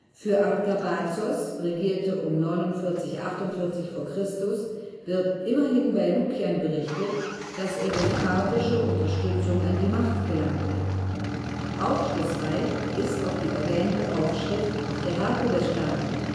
Für Artabazos (regierte um 49/48 v. Chr) wird immerhin bei Lukian berichtet, dass er durch parthische Unterstützung an die Macht gelangte. Aufschlussreich ist auch die erwähnte Aufschrift auf der Herkulesstatue